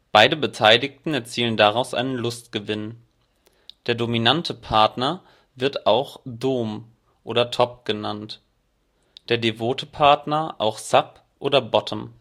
Beide Beteiligten erzielen daraus einen Lustgewinn. Der dominante Partner wird auch Dom oder Top genannt, der devote Partner auch Sub oder Bottom